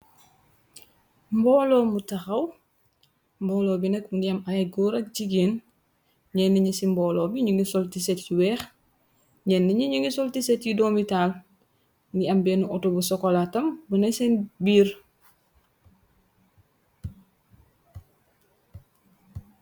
Mbooloo mu tahaw, mboolo bi nag mu ngi am ay góor rak jigéen. Ñenn ni ngi ci mboolo bi ñu ngi sol tiset yu weeh, ñenn ñi ñu ngi sol tiset yu doomitaal. nu am benn nu auto bu sokola tam bu nè seen biir.